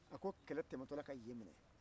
a ko kɛlɛ tɛmɛ tɔ la ka yen minɛ